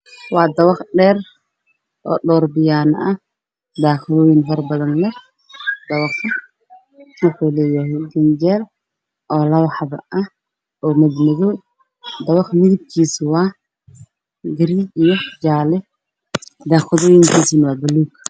Waa dabaq dheer daa qadooyin badan leh